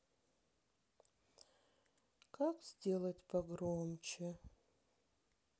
как сделать погромче